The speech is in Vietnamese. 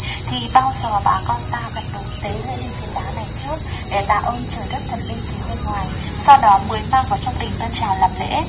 thì bao giờ bà con ta cũng đứng tế lễ ở phiến đá này trước để tạ ơ trời dất thần linh từ bên ngoài sau đó mới mang vào trong đình tân trào làm lễ